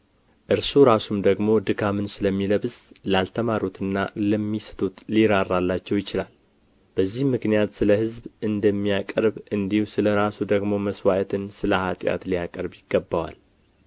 እርሱ ራሱም ደግሞ ድካምን ስለሚለብስ ላልተማሩትና ለሚስቱት ሊራራላቸው ይችላል በዚህም ምክንያት ስለ ሕዝብ እንደሚያቀርብ እንዲሁ ስለ ራሱ ደግሞ መስዋዕትን ስለ ኃጢአት ሊያቀርብ ይገባዋል